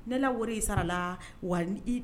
Ne la wari i sara la wa